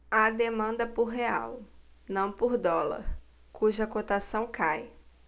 há demanda por real não por dólar cuja cotação cai